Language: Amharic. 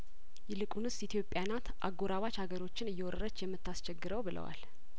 ይልቁን ስኢትዮጵያናት አጐራባች ሀገሮችን እየወረረች የምታስ ቸግረው ብለዋል